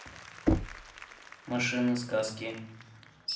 машины сказки